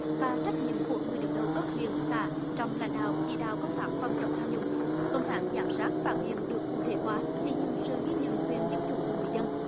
và trách nhiệm của người đứng đầu cấp huyện xã trong lãnh đạo chỉ đạo công tác phòng chống tham nhũng công tác giám sát phản biện được cụ thể hóa thể hiện sự ghi nhận quyền dân chủ của người dân